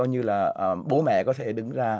như là bố mẹ có thể đứng ra